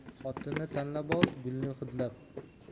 xotinni tanlab ol gulni hidlab